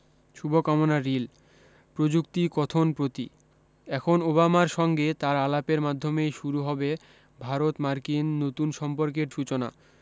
শুভ কামনা রিল প্রযুক্তি কথন প্রতি এখন ওবামার সঙ্গে তার আলাপের মাধ্যমেই শুরু হবে ভারত মার্কিন নতুন সম্পর্কের সূচনা